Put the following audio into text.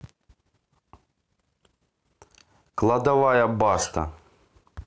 кладовая баста